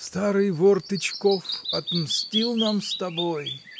— Старый вор Тычков отмстил нам с тобой!